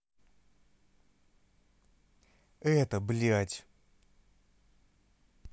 это блядь